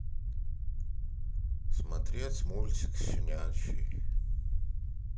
смотреть мультик щенячий